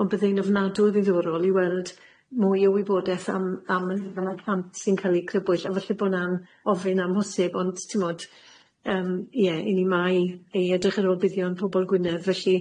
Ond byddai'n ofnadw o ddiddorol i weld mwy o wybodaeth am am yn y plant sy'n ca'l eu crybwyll a falle bo' 'na'n ofyn amhosib ond t'bod yym ie i ni 'ma i i edrych ar ôl buddion pobol Gwynedd felly